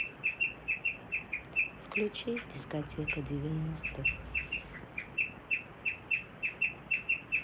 включи дискотека девяностых